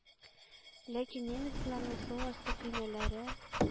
Ләкин немецларның су асты көймәләре